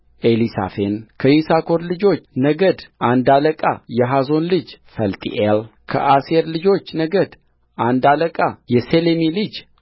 ኤሊሳፈንከይሳኮር ልጆች ነገድ አንድ አለቃ የሖዛ ልጅ ፈልጢኤልከአሴር ልጆች ነገድ አንድ አለቃ የሴሌሚ ልጅ